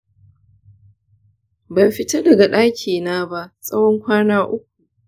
ban fita daga daki na ba tsawon kwana uku.